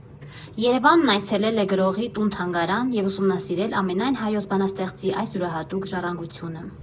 «ԵՐԵՎԱՆՆ» այցելել է գրողի տուն֊թանգարան և ուսումնասիրել ամենայն հայոց բանաստեղծի այս յուրահատուկ ժառանգությունը։